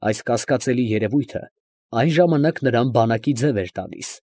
Այս կասկածելի երևույթը այն ժամանակ նրան բանակի ձև էր տալիս։